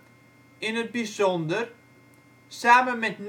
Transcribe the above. in het bijzonder. Samen met Nietzsche